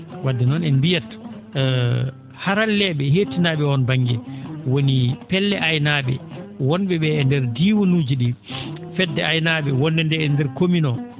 wadde noon en mbiyat harallee?e yettinaa?e oon ba?nge woni pelle aynaa?e won?e ?ee e ndeer diiwanuuji ?ii fedde aynaa?e wonde nde e ndeer commune oo